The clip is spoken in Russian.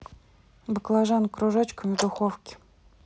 баклажаны кружочками в духовке